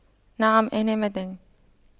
نعم انا مدني